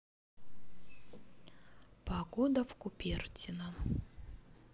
погода в купертино